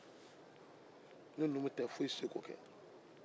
ni numu tɛ foyi tɛ se k'o kɛ